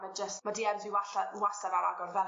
...a ma' jyst ma' Dee Ems fi walla wastad ar agor fel...